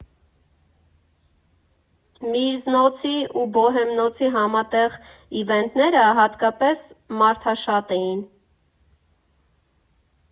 Միրզնոցի ու Բոհեմնոցի համատեղ իվենթները հատկապես մարդաշատ էին։